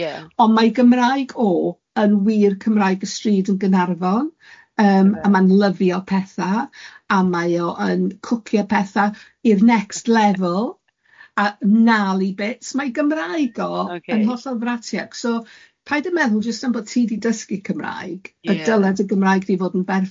Ie. Ond mae Gymraeg o, yn wir Cymraeg y stryd yn Gaernarfon, yym... Ie. ...a mae'n lyfio petha, a mae o yn cwcio petha i'r next level a narly bits, mae Gymraeg o... Ocê. ...yn hollol fratiog, so paid a meddwl jyst am bod ti di dysgu Cymraeg... Ie. ...y dyled y Gymraeg di fod yn berffaith.